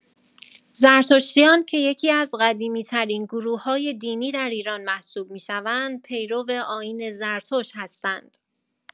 زرتشتیان که یکی‌از قدیمی‌ترین گروه‌های دینی در ایران محسوب می‌شوند، پیرو آیین زرتشت هستند؛